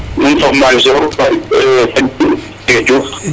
*